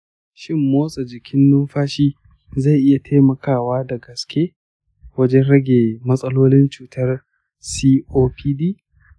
shin motsa jikin numfashi zai iya taimakawa da gaske wajen rage matsalolin cutar copd?